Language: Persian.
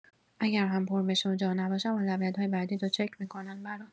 اگر هم پر بشه و جا نباشه اولویت‌های بعدیت رو چک می‌کنن برات